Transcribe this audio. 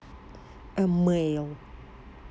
a male